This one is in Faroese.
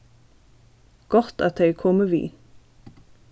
gott at tað er komið við